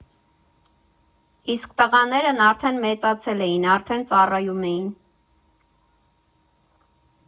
Իսկ տղաներն արդեն մեծացել էին, արդեն ծառայում էին։